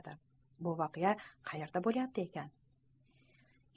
bu voqea qayerda bo'layapti ekan